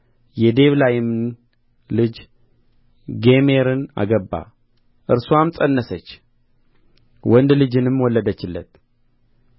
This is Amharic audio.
የዴቤላይምን ልጅ ጎሜርን አገባ እርስዋም ፀነሰች ወንድ ልጅንም ወለደችለት